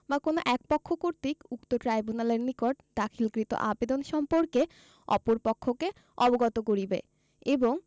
বা কোন একপক্ষ কর্তৃক উক্ত ট্রাইব্যুনালের নিকট দাখিলকৃত আবেদন সম্পর্কে অপর পক্ষকে অবগত করিবে এবং